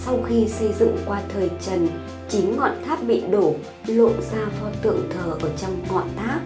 sau khi xây dựng qua thời trần ngọn tháp bị đổ lộ ra pho tượng thờ ở trong ngọn tháp